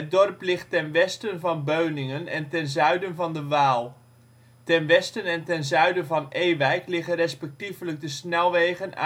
dorp ligt ten westen van Beuningen en ten zuiden van de Waal. Ten westen en ten zuiden van Ewijk liggen respectievelijk de snelwegen